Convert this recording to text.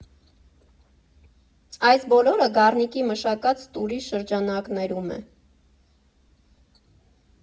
Այս բոլորը Գառնիկի մշակած տուրի շրջանակներում է։